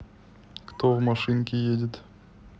кто в машинке едет